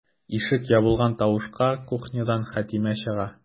Ишек ябылган тавышка кухнядан Хәтимә чыга.